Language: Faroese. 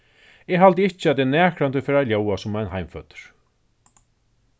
eg haldi ikki at eg nakrantíð fari at ljóða sum ein heimføddur